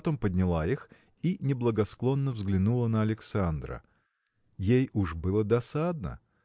потом подняла их и неблагосклонно взглянула на Александра. Ей уж было досадно.